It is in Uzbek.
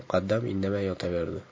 muqaddam indamay yotaverdi